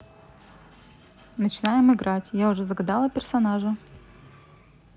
начинаем играть я уже загадала персонажа